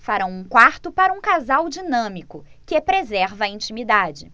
farão um quarto para um casal dinâmico que preserva a intimidade